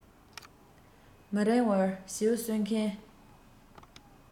མི རིང བར བྱིའུ གསོད མཁན